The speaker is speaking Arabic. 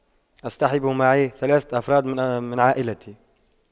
اصطحب معي ثلاثة افراد من من عائلتي